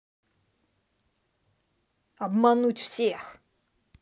обмануть всех